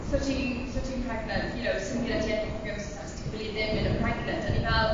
so ti'n so ti'n pregnant you know sim gyda ti endometriosis achos ti ffili ddim myn' yn pregnant o'n i fel